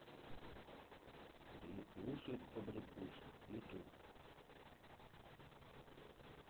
две клуши побрякуши ютуб